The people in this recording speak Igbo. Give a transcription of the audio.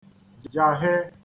jàhe